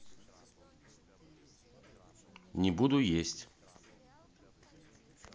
не буду есть